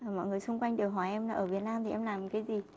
à mọi người xung quanh đều hỏi em là ở việt nam thì em làm cái gì